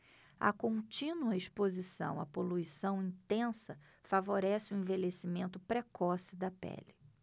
a contínua exposição à poluição intensa favorece o envelhecimento precoce da pele